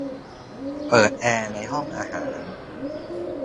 เปิดแอร์ในห้องอาหาร